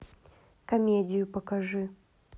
комедию покажи